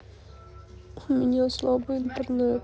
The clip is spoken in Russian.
у меня слабый интернет